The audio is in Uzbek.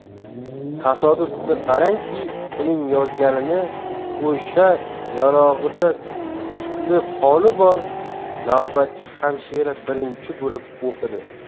tasodifni qarangki uning yozganini o'sha yonog'ida tukli xoli bor navbatchi hamshira birinchi bo'lib o'qidi